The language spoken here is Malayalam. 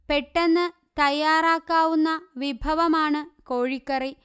പെട്ടെന്ന് തയ്യാറാക്കാവുന്ന വിഭവമാണ് കോഴിക്കറി